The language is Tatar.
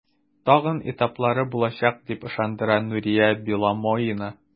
Тагын этаплары булачак, дип ышандыра Нурия Беломоина.